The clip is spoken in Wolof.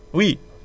allo Amady